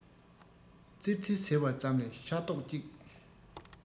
ཙེར ཙེར ཟེར བ ཙམ ལས ཤ རྡོག གཅིག